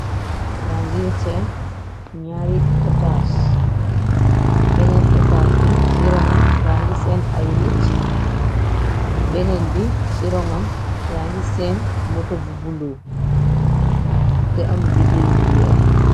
Ya nge sen ñaari etaas, bennen etas bi ci ronnam ya ngi seen ay nit, bennen bi si ronnam ya ngi seen moto bu bulo, te am bidiw yu weex.